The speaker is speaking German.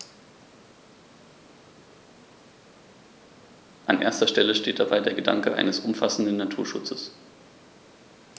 An erster Stelle steht dabei der Gedanke eines umfassenden Naturschutzes.